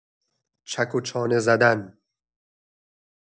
چک و چانه‌زدن